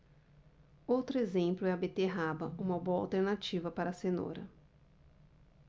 outro exemplo é a beterraba uma boa alternativa para a cenoura